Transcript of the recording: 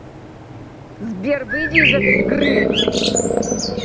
сбер выйди из этой игры